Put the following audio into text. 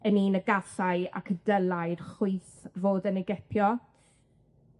yn un a gallai ac y dylai'r chwith fod yn ei gipio.